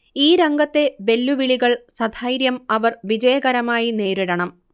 ഈ രംഗത്തെ വെല്ലുവിളികൾ സധൈര്യം അവർ വിജയകരമായി നേരിടണം